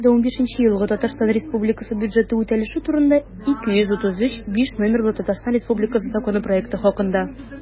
«2015 елгы татарстан республикасы бюджеты үтәлеше турында» 233-5 номерлы татарстан республикасы законы проекты хакында